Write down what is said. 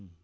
hum